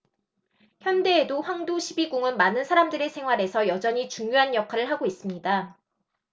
현대에도 황도 십이궁은 많은 사람들의 생활에서 여전히 중요한 역할을 하고 있습니다